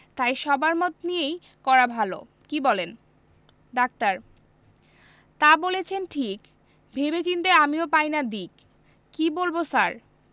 তাই সবার মত নিয়েই করা ভালো কি বলেন ডাক্তার তা বলেছেন ঠিক ভেবে চিন্তে আমিও পাই না দিক কি বলব স্যার